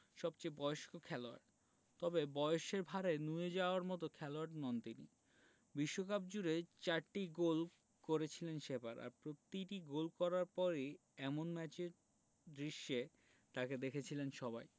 সবচেয়ে বয়স্ক খেলোয়াড় তবে বয়সের ভাঁড়ে নুয়ে যাওয়ার মতো খেলোয়াড় নন তিনি বিশ্বকাপজুড়ে চারটি গোল করেছিলেন সেবার আর প্রতিটি গোল করার পর এমন নাচের দৃশ্যে তাঁকে দেখেছিলেন সবাই